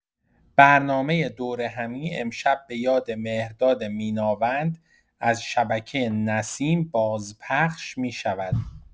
برنامه دورهمی امشب بۀاد مهرداد میناوند از شبکه نسیم بازپخش می‌شود.